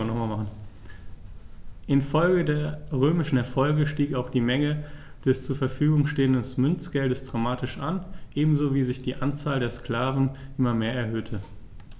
Infolge der römischen Erfolge stieg auch die Menge des zur Verfügung stehenden Münzgeldes dramatisch an, ebenso wie sich die Anzahl der Sklaven immer mehr erhöhte.